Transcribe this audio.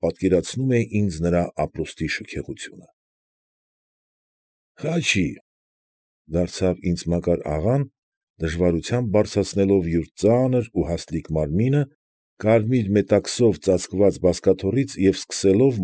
Պատկերացնում ինձ նրա ապրուստի շքեղությունը։ ֊ Խաչի՛, ֊ դարձավ ինձ Մակար աղան, դժվարությամբ բարձրացնելով յուր ծանր ու հաստլիկ մարմինը, կարմիր մետաքսով ծածկված բազկաթոռից և սկսելով։